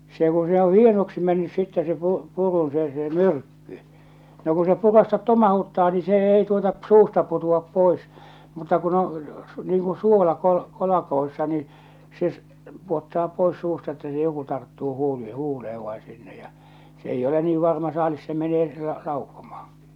se kun se on hienoksi mennyt sitten se - purun se se myrkky no kun se puraista tomauttaa niin se ei tuota - suusta putoa pois mutta kun on niin kuin suola - niin se pudottaa pois suusta että se joku tarttuu - huuleen vai sinne ja se ei ole niin varma saalis se menee - laukkomaankin